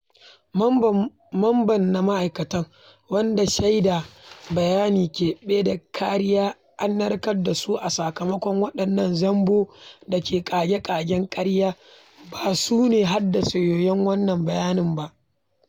Mamban na ma'aikatana - wanda shaida, bayanin keɓe, da kariya an narkar da su a sakamakon waɗannan zambo da ƙage-ƙagen ƙarya - ba su ne suka haddasa yoyon wannan bayanin ba.